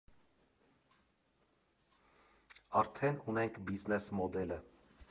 Արդեն ունենք բիզնես մոդելը։